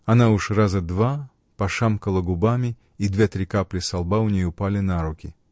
Она уж раза два пошамкала губами, и две-три капли со лба у ней упали на руки.